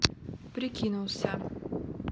прикинулся